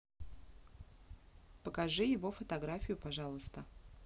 покажите его фотографию пожалуйста